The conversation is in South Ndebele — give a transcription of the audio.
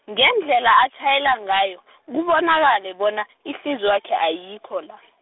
ngendlela atjhayela ngayo , kubonakale bona, ihliziywakhe ayikho la.